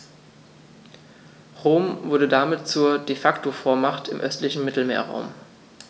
Rom wurde damit zur ‚De-Facto-Vormacht‘ im östlichen Mittelmeerraum.